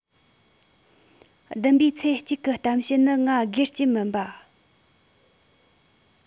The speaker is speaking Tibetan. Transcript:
བདུན པའི ཚེས གཅིག གི གཏམ བཤད ནི ང སྒེར གྱི མིན པ